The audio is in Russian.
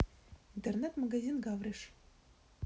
интернет магазин гавриш